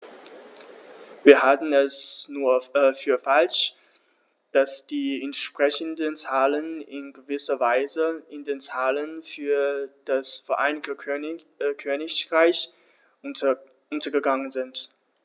Wir halten es für falsch, dass die entsprechenden Zahlen in gewisser Weise in den Zahlen für das Vereinigte Königreich untergegangen sind.